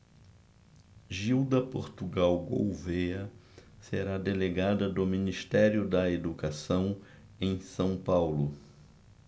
gilda portugal gouvêa será delegada do ministério da educação em são paulo